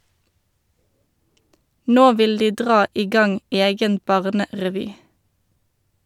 Nå vil de dra i gang egen barnerevy.